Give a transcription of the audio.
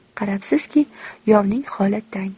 qarabsizki yovning holi tang